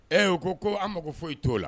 Ɛ u ko ko an mako foyi i t'o la